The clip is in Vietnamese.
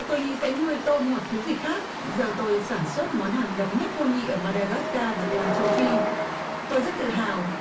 tôi nghĩ sẽ nuôi tôm hoặc thứ gì khác giờ tôi sản xuất món hàng độc nhất vô nhị ở ma đa gát ca và toàn châu phi tôi rất tự hào